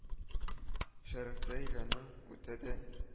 Шәрекътә өйләнү үтә дә